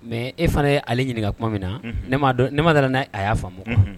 Mɛ e fana ye ale ɲini ka tuma min na ne ma nana n' a y'a faamu